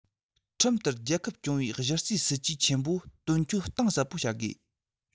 ཁྲིམས ལྟར རྒྱལ ཁབ སྐྱོང བའི གཞི རྩའི ཇུས གཞི ཆེན པོ དོན འཁྱོལ གཏིང ཟབ པོ བྱ དགོས